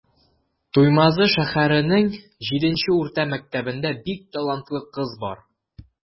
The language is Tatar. Туймазы шәһәренең 7 нче урта мәктәбендә бик талантлы кыз бар.